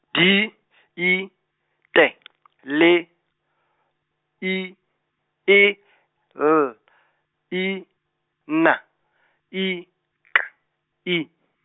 di , I, T , L, I E L I, N, I K I.